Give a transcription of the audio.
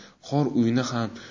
qor uyni ham